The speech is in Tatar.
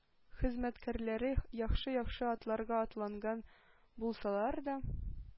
Хезмәткәрләре яхшы-яхшы атларга атланган булсалар да,